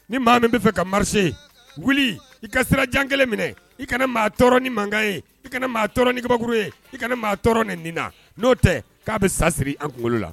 Ni maa min bɛ fɛ ka maricher wuli i ka sira jan kelen minɛ, i kana maa tɔɔrɔ ni mankan ye ,i kana maa ni kabakuru ye i kana maa tɔɔrɔ nɛni ni na, n'o tɛ k'a bɛ sa siri an kunkolo la